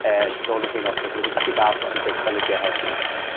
yy nôl yn y hen oese bydden ni byth 'di ga'l fish and chips fel ydi e heddi.